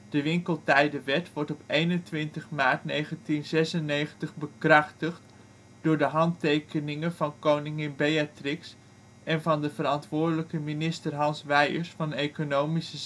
De Winkeltijdenwet wordt op 21 maart 1996 bekrachtigd door de handtekeningen van Koningin Beatrix en van de verantwoordelijke minister Hans Wijers van Economische Zaken